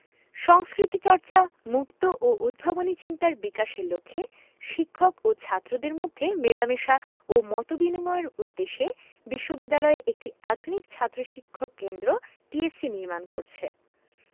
সংস্কৃতিচর্চা মুক্ত ও উদ্ভাবনী চিন্তার বিকাশের লক্ষ্যে শিক্ষক ও ছাত্রদের মধ্যে মেলামেশা ও মত বিনিময়ের উদ্দেশ্যে বিশ্ববিদ্যালয় একটি আধুনিক ছাত্র শিক্ষক কেন্দ্র টিএসসি নির্মাণ করছে